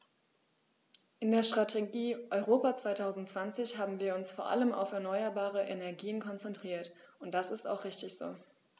In der Strategie Europa 2020 haben wir uns vor allem auf erneuerbare Energien konzentriert, und das ist auch richtig so.